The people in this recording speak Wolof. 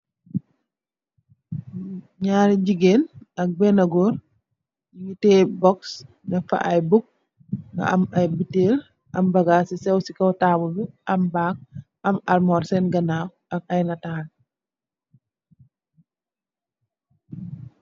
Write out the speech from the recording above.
Ñaari gigeen ak benna gór ñugii teyeh box dèf ay buk nga am ay butèèl am bagaas yu séw ci kaw tabull bi am bag am almor sèèn ganaw ak ay nital.